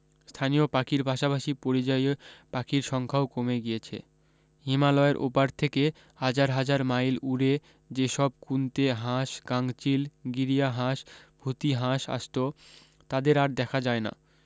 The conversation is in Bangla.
স্থানীয় পাখির পাশাপাশি পরিযায়ী পাখির সংখ্যাও কমে গিয়েছে হিমালয়ের ওপার থেকে হাজার হাজার মাইল উড়ে যে সব খুন্তে হাঁস গাঙচিল গিরিয়া হাঁস ভূতি হাঁস আসত তাদের আর দেখা যায় না